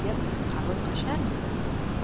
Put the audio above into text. deb qabul qilisharmikin